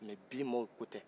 mɛ bi maaw ko tɛ